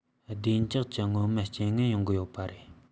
བདེ འཇགས ཀྱི མངོན མེད རྐྱེན ངན ཡོང གི ཡོད པ རེད